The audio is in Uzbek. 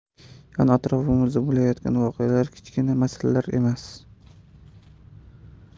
yon atrofimizda bo'layotgan voqealar kichkina masalalar emas